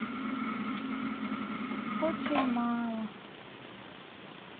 очень мало